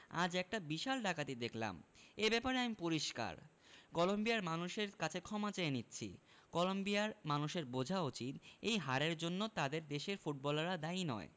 আজ একটা বিশাল ডাকাতি দেখলাম এ ব্যাপারে আমি পরিষ্কার কলম্বিয়ার মানুষের কাছে ক্ষমা চেয়ে নিচ্ছি কলম্বিয়ার মানুষের বোঝা উচিত এই হারের জন্য তাদের দেশের ফুটবলাররা দায়ী নয়